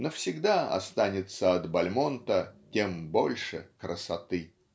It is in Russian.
навсегда останется от Бальмонта тем больше красоты.